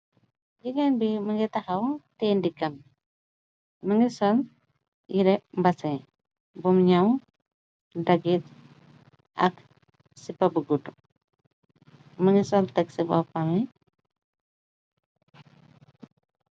Jegain bi mënga taxaw teye ndikam bi mëngi sol yere mbasee bom gñaw dagit ak sepa bu gudu mëngi sol tag ci bapambe.